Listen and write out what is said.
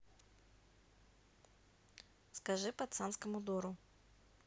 скажи пацанскому дору